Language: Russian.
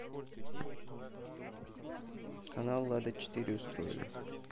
канал лада четыре устроили